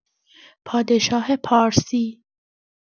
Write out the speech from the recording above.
پادشاه پارسی